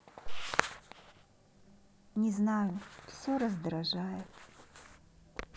не знаю все раздражает